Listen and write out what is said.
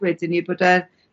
...wedyn 'ny a bod e